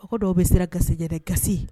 O dɔw bɛ siran gasɛjɛ ga